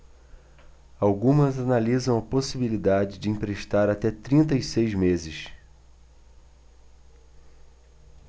algumas analisam a possibilidade de emprestar até trinta e seis meses